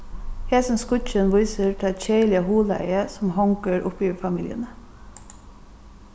hesin skuggin vísir tað keðiliga huglagið sum hongur uppi yvir familjuni